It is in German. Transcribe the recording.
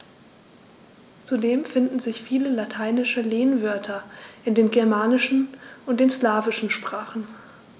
Zudem finden sich viele lateinische Lehnwörter in den germanischen und den slawischen Sprachen.